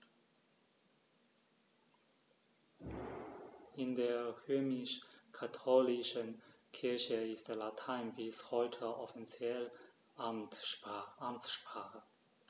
In der römisch-katholischen Kirche ist Latein bis heute offizielle Amtssprache.